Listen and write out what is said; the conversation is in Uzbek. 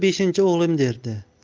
beshinchi o'g'lim derdi